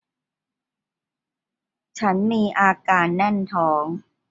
ฉันมีอาการแน่นท้อง